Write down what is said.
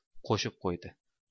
qo'shib qo'ydi